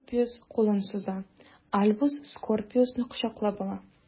Скорпиус кулын суза, Альбус Скорпиусны кочаклап ала.